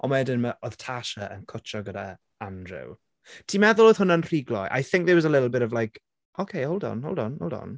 Ond wedyn ma'... oedd Tasha yn cwtshio gyda Andrew. Ti'n meddwl oedd hwnna'n rhy glou? I think there was a little bit of like "Ok, hold on hold on hold on."